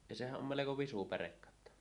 ja sehän on melko visu pärekatto